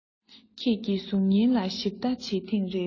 ཁྱེད ཀྱི གཟུགས བརྙན ལ ཞིབ ལྟ བྱེད ཐེངས རེར